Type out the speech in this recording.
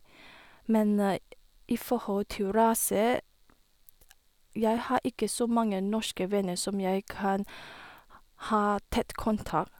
Men i forhold til rase, jeg har ikke så mange norske venner som jeg kan ha ha tett kontakt.